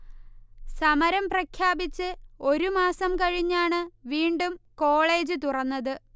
സമരം പ്രഖ്യാപിച്ച് ഒരു മാസം കഴിഞ്ഞാണു വീണ്ടും കോളേജ്തുറന്നത്